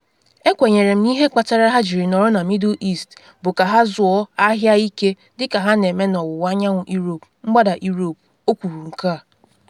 “Ekwenyere m n’ihe kpatara ha jiri nọrọ na Middle East bụ ka ha zụọ ahịa ike dị ka ha na-eme na ọwụwa anyanwụ Europe, mgbada Europe,” o kwuru nke a.